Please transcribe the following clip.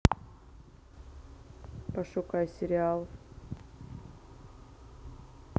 пошукай сериал